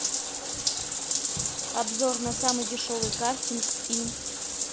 обзор на самый дешевый картинг и